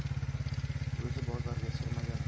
o'zi bozorga sig'magan